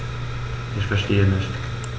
Ich verstehe nicht.